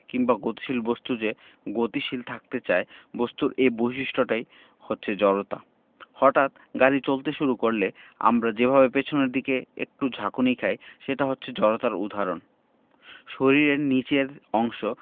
কিংবা গতিশীল বস্তু যে গতিশীল থাকতে চায় বস্তুর এই বৈশিষ্ট্যটাই হচ্ছে জড়তা হঠাৎ গাড়ি চলতে শুরু করলে আমরা যেভাবে পেছনের দিকে একটা ঝাঁকুনি খাই সেটা হচ্ছে জড়তার উদাহরণ শরীরের নিচের অংশ